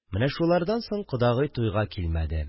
Менә шулардан соң кодагый туйга килмәде